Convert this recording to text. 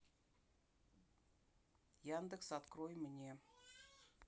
яндекс открой мне